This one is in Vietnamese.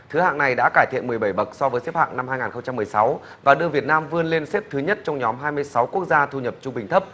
thứ hạng này đã cải thiện mười bảy bậc so với xếp hạng năm hai nghìn không trăm mười sáu và đưa việt nam vươn lên xếp thứ nhất trong nhóm hai mươi sáu quốc gia thu nhập trung bình thấp